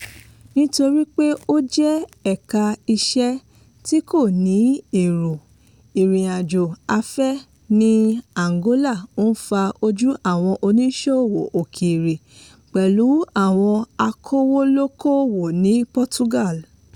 Nítorí pé ó jẹ́ ẹ̀ka-iṣẹ́ tí kò ní èrò, ìrìn-àjò afẹ́ ní Angola ń fa ojú àwọn oníṣòwò òkèèrè, pẹ̀lú àwọn akówólókòwò ilẹ̀ Portugal.